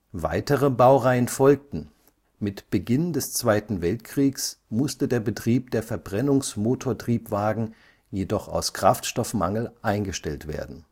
Weitere Baureihen folgten, mit Beginn des Zweiten Weltkriegs musste der Betrieb der Verbrennungsmotortriebwagen jedoch aus Kraftstoffmangel eingestellt werden